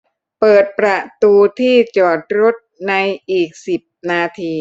เปิดประตูที่จอดรถในอีกสิบนาที